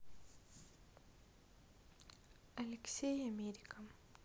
алексей америка